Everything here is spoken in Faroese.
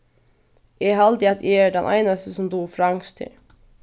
eg haldi at eg eri tann einasti sum dugir franskt her